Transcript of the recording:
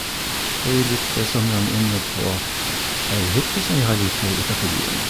Og vi brukte somrene inne på ei hytte som vi har like utafor byen.